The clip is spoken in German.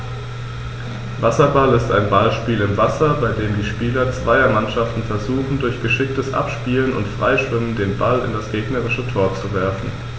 Wasserball ist ein Ballspiel im Wasser, bei dem die Spieler zweier Mannschaften versuchen, durch geschicktes Abspielen und Freischwimmen den Ball in das gegnerische Tor zu werfen.